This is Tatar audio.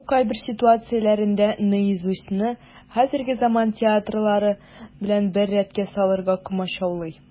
Бу кайбер ситуацияләрдә "Наизусть"ны хәзерге заман театрылары белән бер рәткә салырга комачаулый.